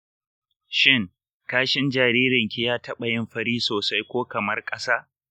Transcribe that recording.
shin kashin jaririnki ya tabayin fari sosai ko kamar kasa?